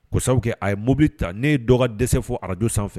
Kosa kɛ a ye mobili ta ne ye dɔgɔ dɛsɛ fɔ araj sanfɛ